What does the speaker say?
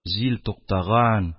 Җил туктаган,